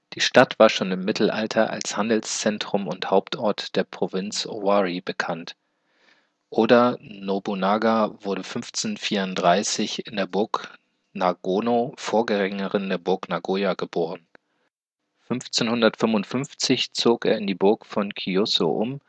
Stadt war schon im Mittelalter als Handelszentrum und Hauptort der Provinz Owari bekannt. Oda Nobunaga wurde 1534 in der Burg Nagono, Vorgängerin der Burg Nagoya, geboren. 1555 zog er in die Burg von Kiyosu um